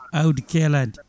awdi keeladi